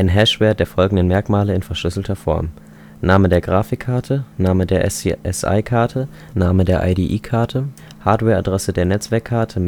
Hash-Wert der folgenden Merkmale in verschlüsselter Form: Name der Grafikkarte Name der SCSI-Karte Name der IDE-Karte Hardware-Adresse der Netzwerkkarte